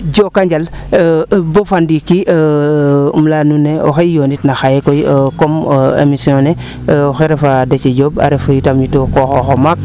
joko njala bo fa ndiiki im leya nouun ne oxey o yoonit na xaye koy comme emission ne oxe refa Déthié Diop a refa yi tamit a qoxoox o maak